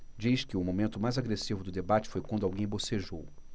diz que o momento mais agressivo do debate foi quando alguém bocejou